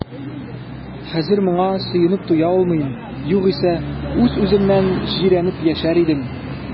Хәзер моңа сөенеп туя алмыйм, югыйсә үз-үземнән җирәнеп яшәр идем.